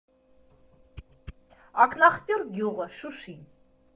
Ակնաղբյուր գյուղը, Շուշին…